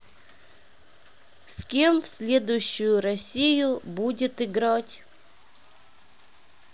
с кем в следующую россию будет играть